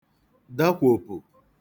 dakwòpụ̀